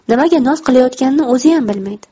nimaga noz qilayotganini o'ziyam bilmaydi